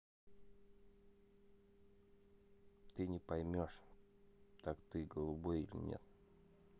тебя не поймешь так ты голубой или нет